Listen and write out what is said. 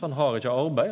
han har ikkje arbeid.